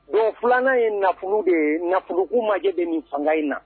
Bon filanan ye nafolo de nafoloku majɛ de nin fanga in na